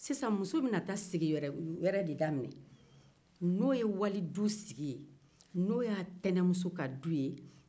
sisan muso bena taa sigi wɛrɛ daminɛ n'o ye walidu sigi ye